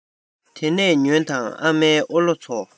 དེ ནས ཉོན དང ཨ མའི ཨོ ལོ ཚོ